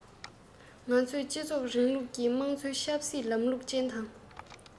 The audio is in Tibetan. ང ཚོས སྤྱི ཚོགས རིང ལུགས ཀྱི དམངས གཙོ ཆབ སྲིད ལམ ལུགས ཅན དང